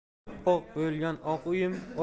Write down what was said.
oppoq bo'lgan oq uyim